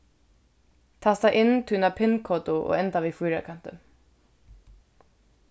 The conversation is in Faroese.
tasta inn tína pin-kodu og enda við fýrakanti